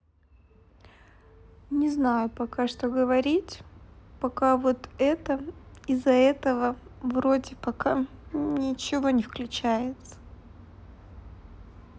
не знаю пока что говорить пока вот это из за этого вроде пока ничего не включается